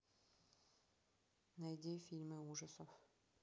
найди фильмы ужасов